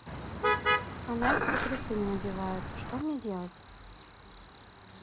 а настя трусы не надевают что мне делать